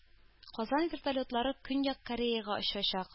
Казан вертолетлары Көньяк Кореяга очачак